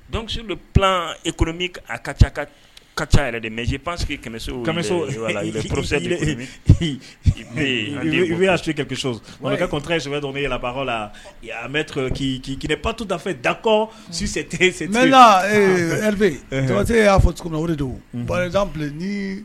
Don bɛ pan emi ka ca ka ca yɛrɛ de mɛ panso i bɛ i'a sunjata ka sokɛ bɛ yɛlɛ bakɔ la an k patu dafe dakɔ si tɛte y'a fɔ de bakarijan ni